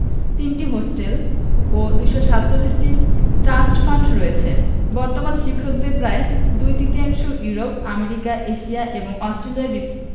৩টি হোস্টেল ও ২৪৭টি ট্রাস্ট ফান্ড রয়েছে বর্তমান শিক্ষকদের প্রায় দুই তৃতীয়াংশ ইউরোপ আমেরিকা এশিয়া এবং অস্ট্রেলিয়ার